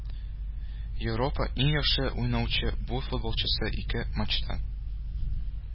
Европа иң яхшы уйнаучы бу футболчысы ике матчта